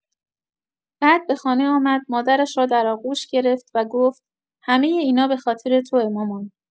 بعد به خانه آمد، مادرش را در آغوش گرفت و گفت: «همۀ اینا به‌خاطر توئه، مامان!»